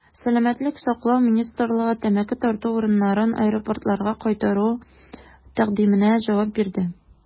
Сәламәтлек саклау министрлыгы тәмәке тарту урыннарын аэропортларга кайтару тәкъдименә җавап бирде.